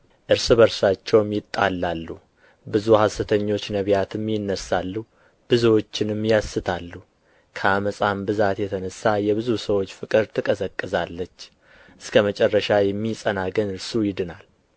እርስ በርሳቸውም ይጣላሉ ብዙ ሐሰተኞች ነቢያትም ይነሣሉ ብዙዎችንም ያስታሉ ከዓመፃም ብዛት የተነሣ የብዙ ሰዎች ፍቅር ትቀዘቅዛለች እስከ መጨረሻ የሚጸና ግን እርሱ ይድናል